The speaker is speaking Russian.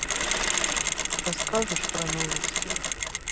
расскажешь про новости